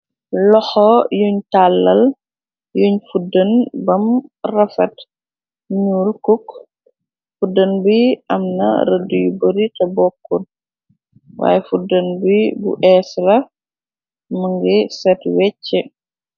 Loxo yuñ tàllal yuñ fuddan bam rafat nul cook. Fuddan bi am na rëdd yu bari te bokkul. Waaye fuddan bi bu eesla mëngi set wecc.